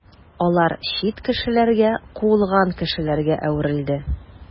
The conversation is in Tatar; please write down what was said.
Алар чит кешеләргә, куылган кешеләргә әверелде.